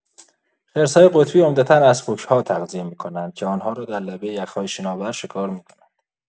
خرس‌های قطبی عمدتا از فوک‌ها تغذیه می‌کنند، که آن‌ها را در لبه یخ‌های شناور شکار می‌کنند.